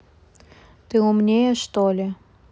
ты умнее что ли